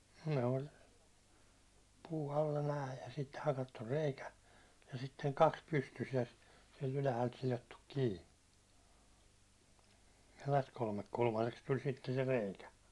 ne oli puu alla nämä ja sitten hakattu reikä ja sitten kaksi pystyssä ja siitä ylhäältä sidottu kiinni ja tästä kolmekulmaiseksi tuli sitten se reikä